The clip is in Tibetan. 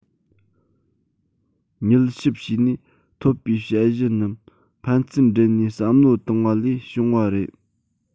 མྱུལ ཞིབ བྱས ནས ཐོབ པའི དཔྱད གཞི རྣམས ཕན ཚུན སྦྲེལ ནས བསམ བློ བཏང བ ལས བྱུང བ རེད